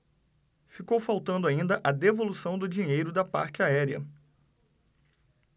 ficou faltando ainda a devolução do dinheiro da parte aérea